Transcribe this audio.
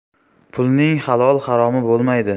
pulning halol haromi bo'lmaydi